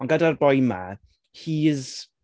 Ond gyda'r boi 'ma, he is...